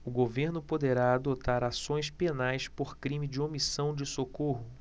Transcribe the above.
o governo poderá adotar ações penais por crime de omissão de socorro